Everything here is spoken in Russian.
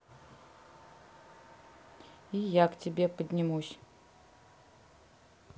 и я к тебе поднимусь